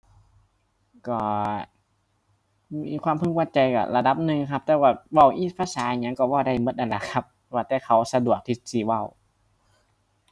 ก็ มีความพึงพอใจก็ระดับนึงครับ แต่ว่า เว้าอี ภาษาหยังก็เว้าได้ก็นั่นล่ะครับว่าแต่เขาสะดวกที่สิเว้า